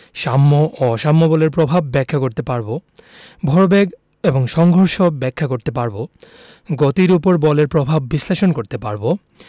সাম্য ও অসাম্য বলের প্রভাব ব্যাখ্যা করতে পারব ভরবেগ এবং সংঘর্ষ ব্যাখ্যা করতে পারব গতির উপর বলের প্রভাব বিশ্লেষণ করতে পারব